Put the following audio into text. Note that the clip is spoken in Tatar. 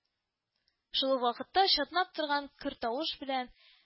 Шул ук вакытта чатнап торган көр тавыш белән: